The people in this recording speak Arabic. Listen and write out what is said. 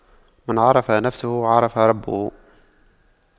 من عرف نفسه عرف ربه